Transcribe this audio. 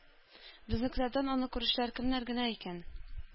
Безнекеләрдән аны күрүчеләр кемнәр генә икән?